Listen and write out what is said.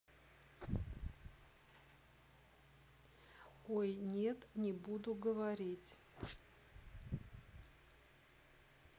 ой нет не буду говорить